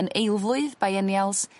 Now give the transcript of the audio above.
yn eilflwydd bienials